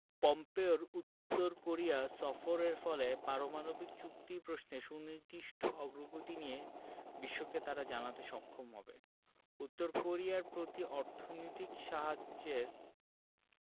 পম্পেওর উত্তর কোরিয়া সফরের ফলে পারমাণবিক চুক্তি প্রশ্নে সুনির্দিষ্ট অগ্রগতি নিয়ে বিশ্বকে তারা জানাতে সক্ষম হবে উত্তর কোরিয়ার প্রতি অর্থনৈতিক সাহায্যের